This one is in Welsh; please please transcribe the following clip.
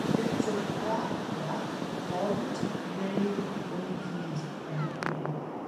Oce? So a neu ac ond neu, ma' nw i gyd yn helpu ni